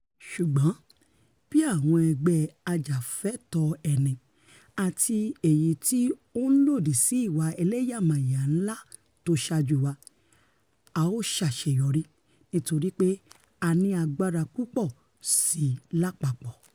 Ṣùgbọ́n, bí àwọn ẹgbẹ́ ajàfẹ́ẹ̀tọ́-ẹni àti èyití ó ńlódì sí ìwà ẹlẹ́yàmẹ̀yà ńlá tó saájú wa, a ó ṣàṣeyọrí, nítorípe a ni agbára púpọ̀ síi lápapọ̀.